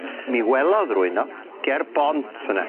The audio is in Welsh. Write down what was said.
Mi welodd rywun o ger bont fyn 'ne.